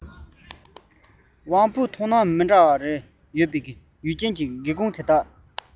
དབང པོའི མཐོང སྣང མི འདྲ རེ ཡོད པའི ཡུལ ཅན གྱི སྒེའུ ཁུང དེ དག ནས